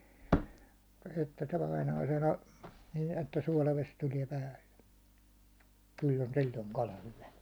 niin että suolavesi tulee päälle kyllä on silloin kala hyvä